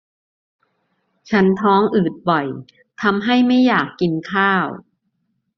ฉันท้องอืดบ่อยทำให้ไม่อยากกินข้าว